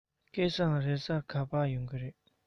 སྐལ བཟང རེས གཟའ ག པར ཡོང གི རེད